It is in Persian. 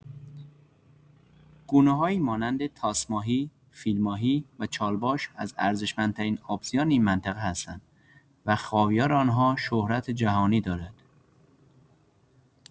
گونه‌هایی مانند تاس‌ماهی، فیل‌ماهی و چالباش از ارزشمندترین آبزیان این منطقه هستند و خاویار آنها شهرت جهانی دارد.